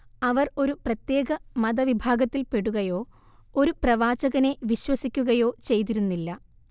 അവർ ഒരു പ്രത്യേക മതവിഭാഗത്തിൽപ്പെടുകയോ ഒരു പ്രവാചകനെ വിശ്വസിക്കുകയോ ചെയ്തിരുന്നില്ല